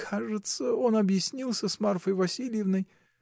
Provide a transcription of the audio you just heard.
— Кажется, он объяснился с Марфой Васильевной.